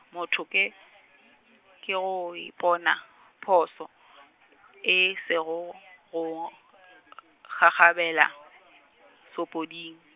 motho ke , ke go ipona phošo, e sego go , ngangabela šopoding.